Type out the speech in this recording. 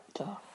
Do.